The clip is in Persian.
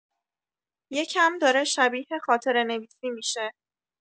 یه کم داره شبیه خاطره‌نویسی می‌شه!